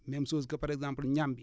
même chose que par exemple ñàmbi